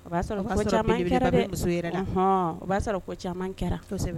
O b'a o'a sɔrɔ ko caman kɛra